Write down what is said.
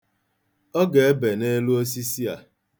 Ọ ga-ebe n'elu osisi a.